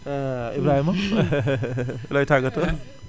Ibrahima looy tàggatoo